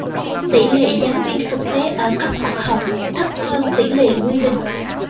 tỷ lệ giáo viên thực tế ở các bậc học thấp hơn tỷ lệ quy định